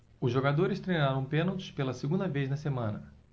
os jogadores treinaram pênaltis pela segunda vez na semana